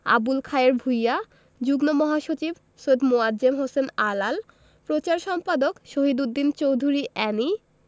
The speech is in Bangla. আবুল খায়ের ভূইয়া যুগ্ম মহাসচিব সৈয়দ মোয়াজ্জেম হোসেন আলাল প্রচার সম্পাদক শহীদ উদ্দিন চৌধুরী এ্যানি